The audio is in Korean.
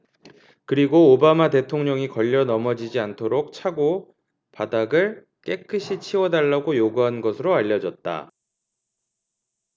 그리고 오바마 대통령이 걸려 넘어지지 않도록 차고 바닥을 깨끗이 치워달라고 요구한 것으로 알려졌다